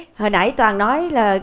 hồi nãy toàn nói là